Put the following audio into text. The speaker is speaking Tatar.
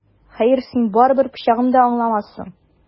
Хәер, син барыбер пычагым да аңламассың!